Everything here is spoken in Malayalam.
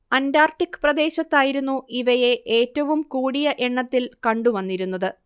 അന്റാർട്ടിക് പ്രദേശത്തായിരുന്നു ഇവയെ ഏറ്റവും കൂടിയ എണ്ണത്തിൽ കണ്ടു വന്നിരുന്നത്